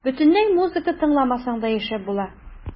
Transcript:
Бөтенләй музыка тыңламасаң да яшәп була.